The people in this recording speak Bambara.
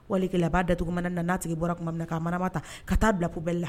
Wali kelen a b'a da tugu manani la, n'a tigi bɔra tuma mina k'a mana ta, ka taa bila poubelle la.